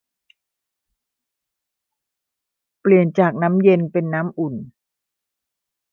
เปลี่ยนจากน้ำเย็นเป็นน้ำอุ่น